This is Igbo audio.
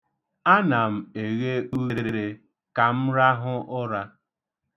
Ana m eghe ughere, ka m rahụ ụra.